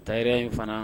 Ta in fana